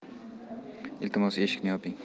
iltimos eshikni yoping